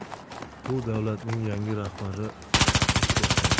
bu davlatning yangi rahbarlari ish boshladi